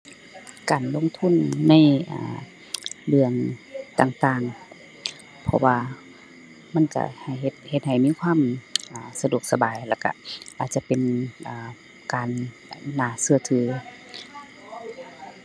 การลงทุนใน เอ่อ เรื่องต่างต่าง เพราะว่ามันก็ให้เฮ็ด เฮ็ดให้มีความ อ่า สะดวกสบาย แล้วก็ อาจจะเป็น อ่า การน่าเชื่อถือ